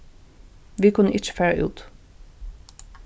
vit kunnu ikki fara út